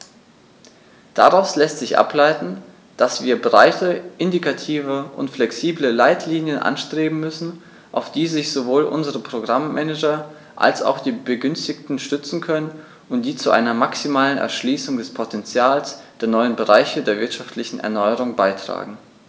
Daraus lässt sich ableiten, dass wir breite, indikative und flexible Leitlinien anstreben müssen, auf die sich sowohl unsere Programm-Manager als auch die Begünstigten stützen können und die zu einer maximalen Erschließung des Potentials der neuen Bereiche der wirtschaftlichen Erneuerung beitragen.